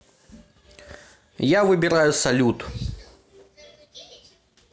я выбираю салют